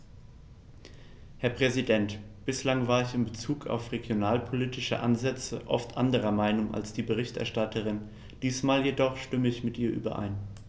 Herr Präsident, bislang war ich in bezug auf regionalpolitische Ansätze oft anderer Meinung als die Berichterstatterin, diesmal jedoch stimme ich mit ihr überein.